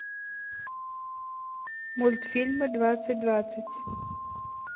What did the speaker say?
мультфильмы двадцать двадцать